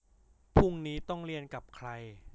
พรุ่งนี้ต้องเรียนกับใคร